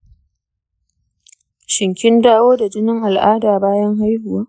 shin kin dawo da jinin al’ada bayan haihuwa?